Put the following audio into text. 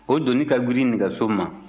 o doni ka girin nɛgɛso ma